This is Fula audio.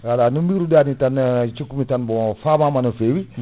voilà no biruɗani tan cikkumi tan bon famama nofeewi